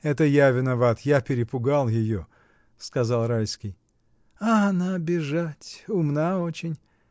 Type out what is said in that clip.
— Это я виноват: я перепугал ее, — сказал Райский. — А она бежать: умна очень!